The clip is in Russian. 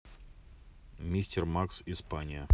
мистер макс испания